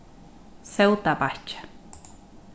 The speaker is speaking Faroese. sótabakki